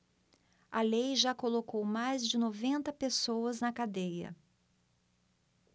a lei já colocou mais de noventa pessoas na cadeia